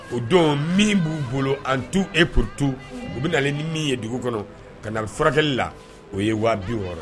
O don min b'u bolo an t'u e ptu u bɛ na ni min ye dugu kɔnɔ ka na furakɛli la o ye waabi wɔɔrɔ